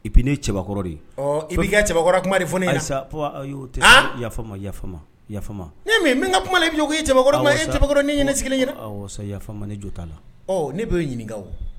Et puis ne ye cɛbakɔrɔ de ye. Ɔɔ i b'i ka cɛbakɔrɔya kuma de fɔ ne ɲana! Ayi sa papa ayi o tɛ. Haan ! Yafa n ma yafa n ma, yafa n ma. Nin ye mun ye ? N bɛ n ka kuma la i b'i jɔ ko e ye cɛbakɔrɔ ye, o tuma e ye cɛbakɔrɔ ye ne yɛrɛ sigilen ɲɛna. Awo sa yafama n ma ne jo t'a la. Ɔɔ ne bɛ e ɲinika o